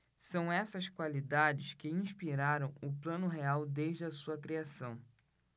são essas qualidades que inspiraram o plano real desde a sua criação